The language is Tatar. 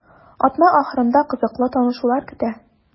Атна ахырында кызыклы танышулар көтә.